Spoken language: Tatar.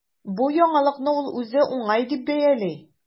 Бу яңалыкны ул үзе уңай дип бәяли.